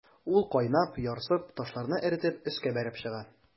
Ул кайнап, ярсып, ташларны эретеп өскә бәреп чыга.